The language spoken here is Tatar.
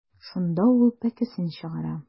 Шунда ул пәкесен чыгара.